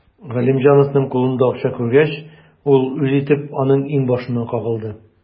Галимҗановның кулында акча күргәч, ул үз итеп аның иңбашына кагылды.